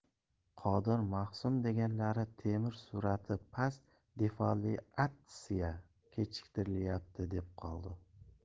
qodir maxsum deganlari terim surati past defoliatsiya kechiktirilyapti deb qoldi